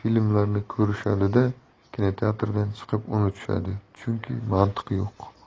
kinoteatrdan chiqib unutishadi chunki mantiq yo'q